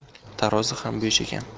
tarozi ham bo'sh ekan